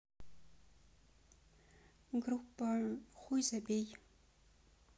группа хуй забей